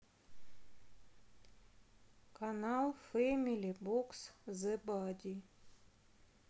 канал фэмили бокс зе бади